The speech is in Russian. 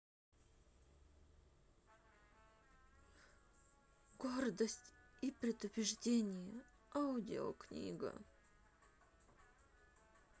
гордость и предубеждение аудиокнига